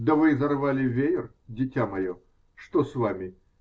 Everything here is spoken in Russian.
Да вы изорвали веер, дитя мое. Что с вами?